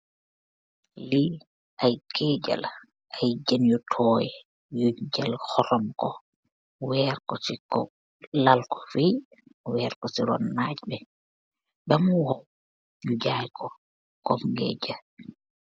Jën wu fere buñ xorom ñu weer ko ba noppi jaay ko. Ñu xamee ko ci (Jën wu waw)